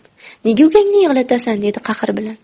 nega ukangni yig'latasan dedi qahr bilan